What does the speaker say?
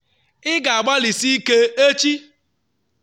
Ị ga-agbalị si ike echi.